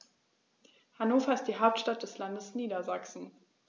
Hannover ist die Hauptstadt des Landes Niedersachsen.